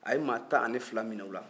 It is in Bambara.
a ye maa tan ani fila mina u la